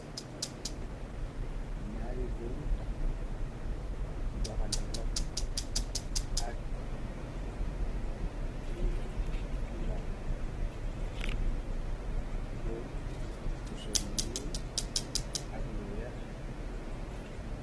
Naari gòor tahaw, johantè loho ak tè lu ndaw. Góor bu sol lu ñuul ak lu weeh.